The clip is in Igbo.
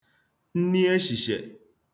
nni eshìshiè